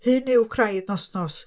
Hyn yw craidd Nostos.